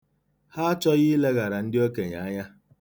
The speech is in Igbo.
Ha achọghị ileghara ndị okenye anya.